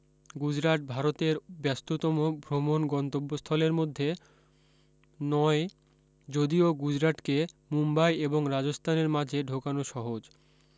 গুজরাট ভারতের ব্যস্ততম ভ্রমণ গন্তব্যস্থলের মধ্যে নয় যদিও গুজরাটকে মুম্বাই এবং রাজস্থানের মাঝে ঢোকানো সহজ